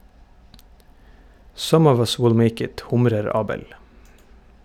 - «Some of us will make it», humrer Abel.